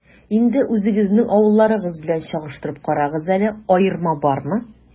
Инде үзегезнең авылларыгыз белән чагыштырып карагыз әле, аерма бармы?